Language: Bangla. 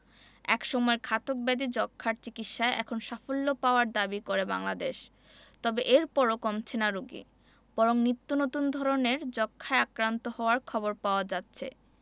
একসময়ের ঘাতক ব্যাধি যক্ষ্মার চিকিৎসায় এখন সাফল্য পাওয়ার দাবি করে বাংলাদেশ তবে এরপরও কমছে না রোগী বরং নিত্যনতুন ধরনের যক্ষ্মায় আক্রান্ত হওয়ার খবর পাওয়া যাচ্ছে